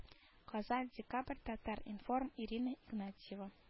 Казан декабрь татар-информ ирина игнатьева